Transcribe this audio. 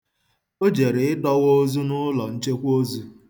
O jere ịdọwa ozu n'ụlọ nchekwa ozu.